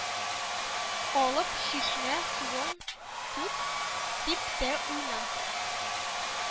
Алып чишмә суын түк, сип тә уйна